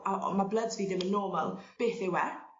A o- ma' bloods fi ddim yn normal beth yw e?